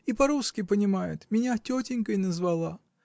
и по-русски понимает -- меня тетенькой назвала.